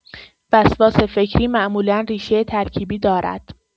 وسواس فکری معمولا ریشه ترکیبی دارد.